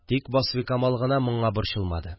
Тик Васфикамал гына моңа борчылмады